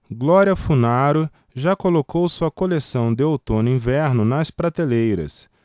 glória funaro já colocou sua coleção de outono-inverno nas prateleiras